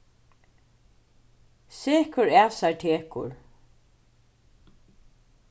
sekur at sær tekur